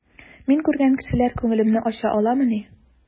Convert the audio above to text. Мин күргән кешеләр күңелемне ача аламыни?